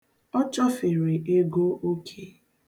Ọ chọfere ego oke.